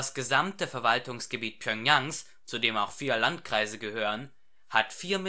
gesamte Verwaltungsgebiet Pjöngjangs, zu dem auch vier Landkreise gehören, hat 4.138.187